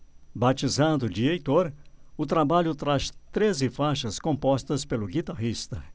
batizado de heitor o trabalho traz treze faixas compostas pelo guitarrista